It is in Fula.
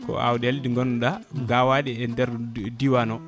ko awɗele ɗi ganduɗa gawaɗe e nder diwan o